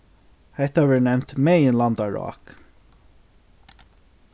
hetta verður nevnt meginlandarák